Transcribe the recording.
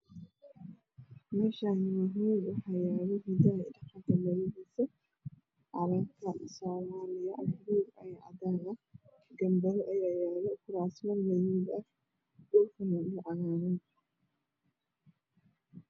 Meeshaani waa hool waxaa yaala hidaha iyo cabaaydiisa calanka soomaliya buluug Iyo cadaan ah gambaro ayaa yaala kuraasman Baluug ah dhulkana dhul cagaaran